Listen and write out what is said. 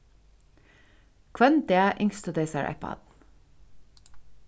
hvønn dag ynsktu tey sær eitt barn